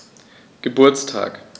Geburtstag